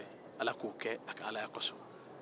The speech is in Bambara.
ala ka o kɛ a ka ala ya kosɔn